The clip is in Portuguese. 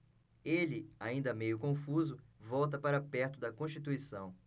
ele ainda meio confuso volta para perto de constituição